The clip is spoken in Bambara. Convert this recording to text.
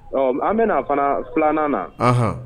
Ɔ an bɛ a fana filanan na